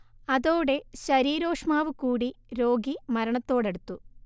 അതോടെ ശരീരോഷ്മാവു കൂടി രോഗി മരണത്തോടടുത്തു